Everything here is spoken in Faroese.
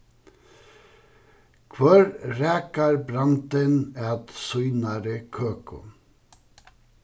hvør rakar brandin at sínari køku